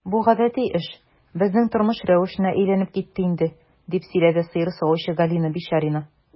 Бу гадәти эш, безнең тормыш рәвешенә әйләнеп китте инде, - дип сөйләде сыер савучы Галина Бичарина.